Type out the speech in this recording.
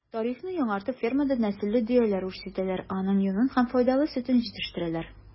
Тарихны яңартып фермада нәселле дөяләр үчретәләр, аның йонын һәм файдалы сөтен җитештерәләр.